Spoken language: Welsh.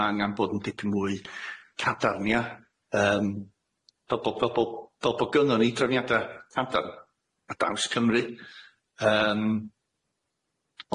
ma' angan bod yn dipyn mwy cadarn ia yym fel bo' fel bo' fel bo' gynnon ni drefniada cadarn ar draws Cymru yym,